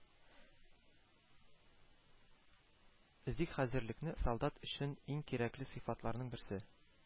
Зик хәзерлекнеө солдат өчен иө кирәкле сыйфатларныө берсе